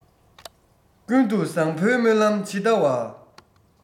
ཀུན ཏུ བཟང བོའི སྨོན ལམ ཇི ལྟ བ